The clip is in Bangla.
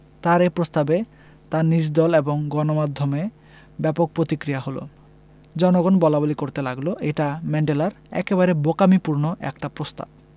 তাঁর এ প্রস্তাবে তাঁর নিজ দল এবং গণমাধ্যমে ব্যাপক প্রতিক্রিয়া হলো জনগণ বলাবলি করতে লাগল এটা ম্যান্ডেলার একেবারে বোকামিপূর্ণ একটা প্রস্তাব